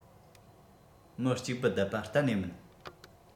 མི གཅིག པུ བསྡད པ གཏན ནས མིན